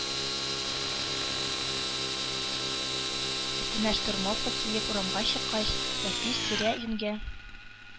Өстенә штурмовка киеп урамга чыккач, Рәфис тирә-юньгә